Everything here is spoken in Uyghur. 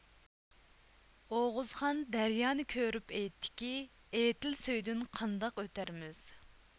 ئوغۇزخان دەريانى كۆرۈپ ئېيتتىكى ئېتىل سۈيىدىن قانداق ئۆتەرمىز